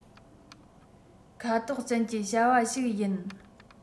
ཁ དོག ཅན གྱི བྱ བ ཞིག ཡིན